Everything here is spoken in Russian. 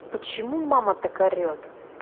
почему мама так орет